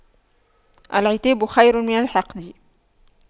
العتاب خير من الحقد